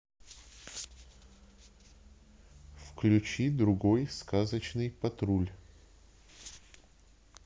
включи другой сказочный патруль